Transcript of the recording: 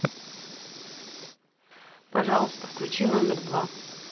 пожалуйста включи номер два